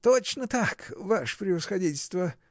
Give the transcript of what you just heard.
— Точно так, ваше превосходительство!